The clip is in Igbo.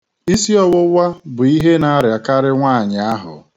Isiọwụwa bụ ihe na-arịakarị nwaanyị ahụ.